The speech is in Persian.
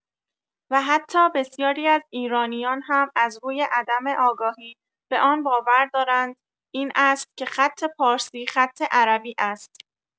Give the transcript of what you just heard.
و حتی بسیاری از ایرانیان هم از روی عدم آگاهی به آن باور دارند این است که خط پارسی خط عربی است.